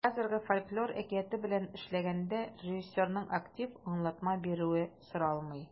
Ә хәзергә фольклор әкияте белән эшләгәндә режиссерның актив аңлатма бирүе соралмый.